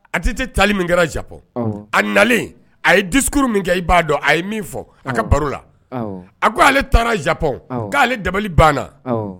ATT tali min kɛra Japon , Awɔ, a nalen a ye discours min kɛ, i b'a dɔn, a ye min fɔ, a ka baro la. A ko ale taara Japon k'ale dabali banna